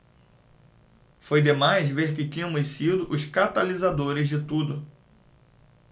foi demais ver que tínhamos sido os catalisadores de tudo